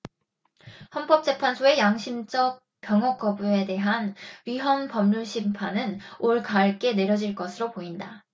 헌법재판소의 양심적 병역거부에 대한 위헌 법률심판은 올가을께 내려질 것으로 보인다